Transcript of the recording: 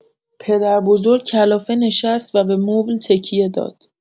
پدربزرگ کلافه نشست و به مبل تکیه داد.